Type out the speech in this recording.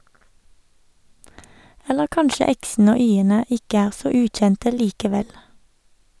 Eller kanskje x'ene og y'ene ikke er så ukjente likevel.